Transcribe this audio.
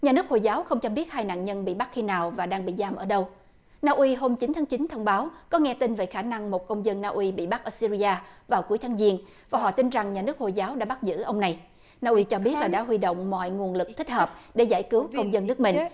nhà nước hồi giáo không cho biết hai nạn nhân bị bắt khi nào và đang bị giam ở đâu na uy hôm chín tháng chín thông báo có nghe tin về khả năng một công dân na uy bị bắt ở sy ri a vào cuối tháng giêng và họ tin rằng nhà nước hồi giáo đã bắt giữ ông này na uy cho biết là đã huy động mọi nguồn lực thích hợp để giải cứu công dân nước mình